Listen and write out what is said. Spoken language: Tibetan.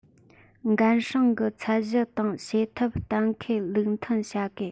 འགན སྲུང གི ཚད གཞི དང བྱེད ཐབས གཏན ཁེལ ལུགས མཐུན བྱ དགོས